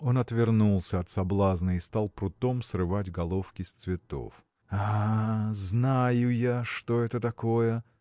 Он отвернулся от соблазна и стал прутом срывать головки с цветов. А! знаю я, что это такое!